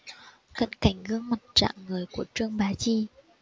cận cảnh gương mặt rạng ngời của trương bá chi